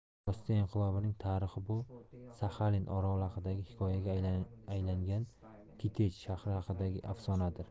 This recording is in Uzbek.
rossiya inqilobining tarixi bu saxalin oroli haqidagi hikoyaga aylangan kitej shahri haqidagi afsonadir